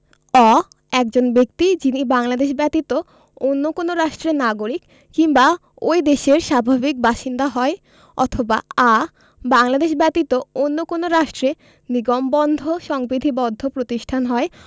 অ একজন ব্যক্তি যিনি বাংলাদেশ ব্যতীত অন্য কোন রাষ্ট্রের নাগরিক কিংবা ঐ দেশের স্বাভাবিক বাসিন্দা হয় অথবা আ বাংলাদেশ ব্যতীত অন্য কোন রাষ্ট্রে নিগমবন্ধ সংবিধিবদ্ধ প্রতিষ্ঠান হয়